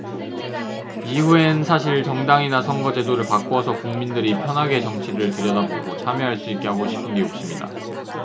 이후엔 사실 정당이나 선거제도를 바꿔서 국민들이 편하게 정치를 들여다보고 참여할 수 있게 하고 싶은 게 욕심이다